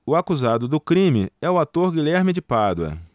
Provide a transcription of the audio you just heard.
o acusado do crime é o ator guilherme de pádua